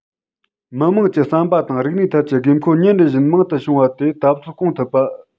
མི དམངས ཀྱི བསམ པ དང རིག གནས ཐད ཀྱི དགོས མཁོ ཉིན རེ བཞིན མང དུ བྱུང བ དེ ད གཟོད སྐོང ཐུབ པ